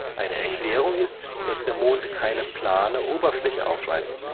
Eine Erklärung ist, dass der Mond keine plane Oberfläche aufweist